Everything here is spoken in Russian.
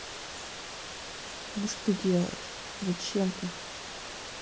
ну что ты делаешь ну зачем ты